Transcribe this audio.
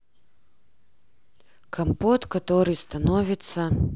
компот который становится